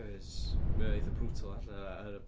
cys mae o’n eitha’ brutal allan yna oherwydd...